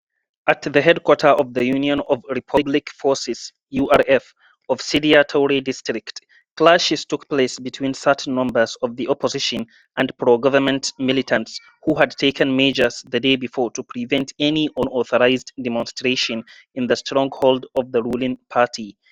...at the headquarter of the Union of Republican Forces (URF) of Sidya Touré district, clashes took place between certain members of the opposition and pro-government militants who had taken measures the day before to prevent any unauthorized demonstration in the stronghold of the ruling party.